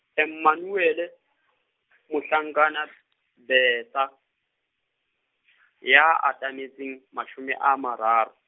Emmanuele , mohlankana Bertha, ya atametseng, mashome a mararo.